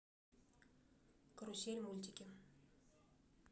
карусель мультики